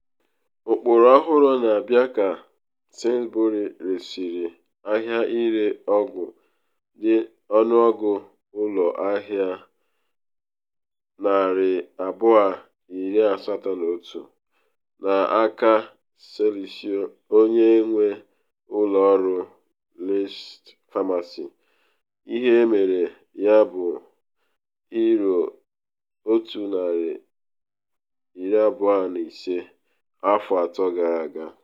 Ụkpụrụ ọhụrụ na abịa ka Sainsbury resịrị ahịa ịre ọgwụ dị ọnụọgụ ụlọ ahịa 281 n’aka Celesio, onye nwe ụlọ ọrụ Lloyds Pharmacy, ihe erere ya bụ £125m, afọ atọ gara aga.